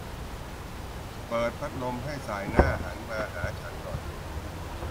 เปิดพัดลมให้ส่ายหน้าหันมาหาฉันหน่อย